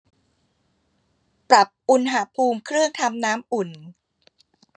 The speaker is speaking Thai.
ปรับอุณหภูมิเครื่องทำน้ำอุ่น